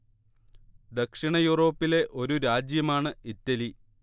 ദക്ഷിണ യൂറോപ്പിലെ ഒരു രാജ്യമാണ് ഇറ്റലി